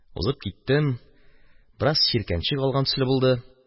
Узып киттем, бераз чиркәнчек алган төсле булды.